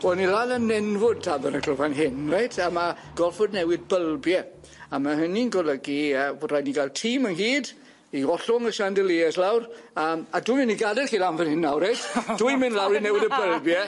Wel ni lan yn nenfwd Tabernacl fan hyn reit a ma' golffod newid bylbie a ma' hynny'n golygu yy fod raid ni ga'l tîm ynghyd i ollwng y chandeliers lawr yym a dwi myn' i gad'el chi lan fan hyn nawr reit. Dwi mynd lawr i newid y bylbie.